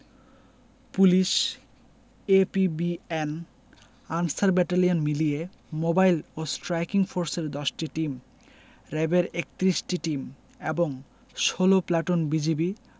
police APBN Ansar battalion মিলিয়ে mobile ও striking ফোর্সের ১০টি টিম র ্যাবের ৩১টি টিম এবং ১৬ প্লাটুন বিজিবি